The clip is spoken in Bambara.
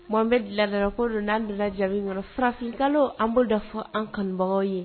Mo bɛ dilandara ko don' an bɛna jaabi kɔnɔ farafin kalo an b'o da fɔ an kanbagaw ye